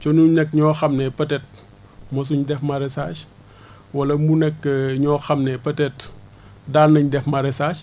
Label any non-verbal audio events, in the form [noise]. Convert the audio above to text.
te ñuy nekk ñoo xam ne peut être mosuñ def maraîchage [breath] wala mu nekk [hesitation] ñoo xam ne peut être daa nañ def maraîchage